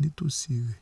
nítòsí rẹ̀.